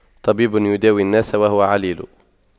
طبيب يداوي الناس وهو عليل